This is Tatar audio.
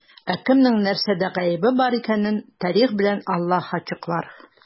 Ә кемнең нәрсәдә гаебе бар икәнен тарих белән Аллаһ ачыклар.